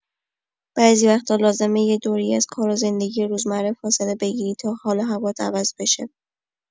بعضی وقتا لازمه یه دوره‌ای از کار و زندگی روزمره فاصله بگیری تا حال و هوات عوض بشه.